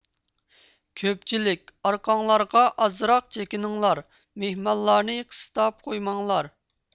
كۆپچىلىك ئارقاڭلارغا ئازراق چېكىنىڭلار مېھمانلارنى قىستاپ قويماڭلار